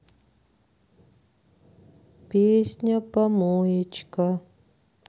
песня помоечка